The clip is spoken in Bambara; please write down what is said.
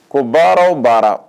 Ko baaraw baara